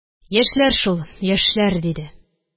Яшьләр шул, яшьләр, – диде